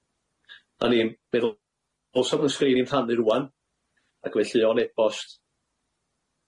'Na ni, fe ddyl- ddylsa bod 'yn sgrin i'n rhannu rŵan, ac felly o'n ebost